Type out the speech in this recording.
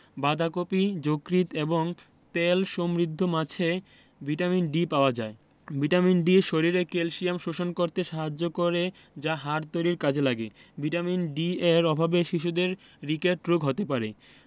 বাঁধাকপি যকৃৎ এবং তেল সমৃদ্ধ মাছে ভিটামিন D পাওয়া যায় ভিটামিন D শরীরে ক্যালসিয়াম শোষণ করতে সাহায্য করে যা হাড় তৈরীর কাজে লাগে ভিটামিন D এর অভাবে শিশুদের রিকেট রোগ হতে পারে